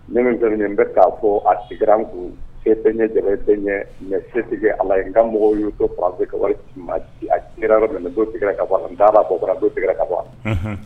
Ne min filɛ nin ye bɛ k'a fɔ a tigɛra n kun, se tɛ n ye dabali tɛ n ye, mais se tigi ye Ala ye, n ka mɔgɔw y'u to Faransi ka wari ci n ma, a cira yɔrɔ min dɔ tigɛra ka bɔ a la n taar'a ta dɔ tigɛra ka bɛ a la, unhun